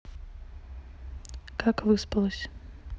как выспалась